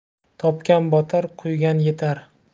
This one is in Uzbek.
topgan botar quvgan yetar